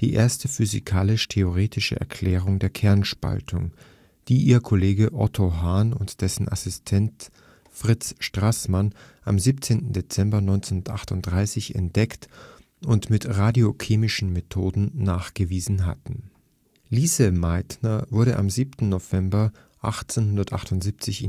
die erste physikalisch-theoretische Erklärung der Kernspaltung, die ihr Kollege Otto Hahn und dessen Assistent Fritz Straßmann am 17. Dezember 1938 entdeckt und mit radiochemischen Methoden nachgewiesen hatten. 1 Leben und Arbeit 1.1 Ausbildung und Studium 1.2 Forschung in Berlin 1.3 Vertreibung und Entdeckung der Kernspaltung 1.4 Nach 1945 2 Bedeutung und Verdienste 3 Ehrungen 4 Sonstiges 5 Veröffentlichungen (Auswahl) 6 Literatur 7 Audiovisuelle Quellen 8 Weblinks 9 Einzelnachweise Geburtshaus und Gedenktafel in Wien Leopoldstadt Meitner wurde am 7. November 1878